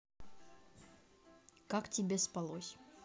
как тебе спалось